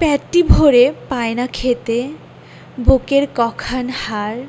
পেটটি ভরে পায় না খেতে বুকের ক খান হাড়